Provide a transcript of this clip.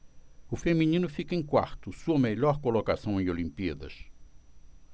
o feminino fica em quarto sua melhor colocação em olimpíadas